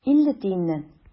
Илле тиеннән.